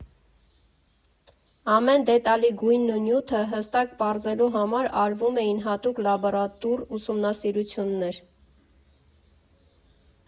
Ամեն դետալի գույնն ու նյութը հստակ պարզելու համար արվում էին հատուկ լաբորատուր ուսումնասիրություններ։